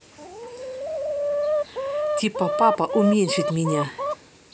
типа папа уменьшить меня